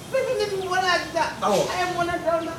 Beret wala taa aw a ye mɔnɛda la